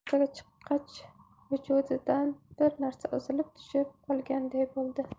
ko'chaga chiqqach vujudidan bir narsa uzilib tushib qolganday bo'ldi